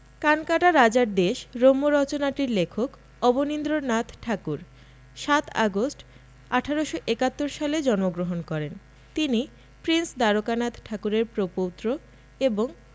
কানকাটা রাজার দেশ রম্যরচনাটির লেখক অবনীন্দ্রনাথ ঠাকুর ৭ আগস্ট ১৮৭১ সালে জন্মগ্রহণ করেন তিনি প্রিন্স দ্বারকানাথ ঠাকুরের প্রপৌত্র এবং